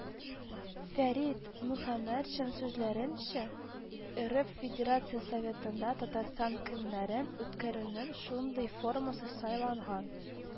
Фәрит Мөхәммәтшин сүзләренчә, РФ Федерация Советында Татарстан көннәрен үткәрүнең шундый формасы сайланган